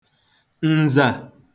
ǹzà